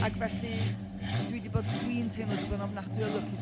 Ac felly, dwi di bod... dwi’n teimlo dwi wedi bod yn ofnadwy o lwcus...